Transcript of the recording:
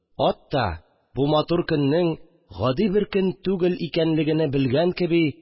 Ат та, бу матур көннең гади бер көн түгел икәнлегене белгән кеби